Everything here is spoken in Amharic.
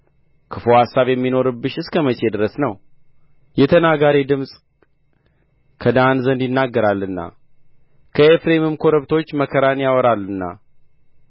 ክፉ አሳብ የሚኖርብሽ እስከ መቼ ድረስ ነው የተናጋሪ ድምፅ ከዳን ዘንድ ይናገራልና ከኤፍሬምም ኮረብቶች መከራን ያወራልና